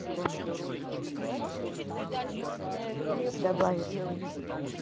добавить